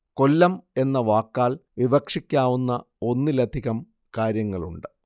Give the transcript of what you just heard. കൊല്ലം എന്ന വാക്കാൽ വിവക്ഷിക്കാവുന്ന ഒന്നിലധികം കാര്യങ്ങളുണ്ട്